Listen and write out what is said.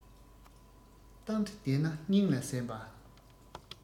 གཏམ དེ བདེན ན སྙིང ལ གཟན པ